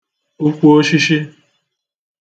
ukwuoshishi